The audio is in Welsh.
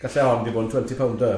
Gallai hon di bod yn twenty pounder.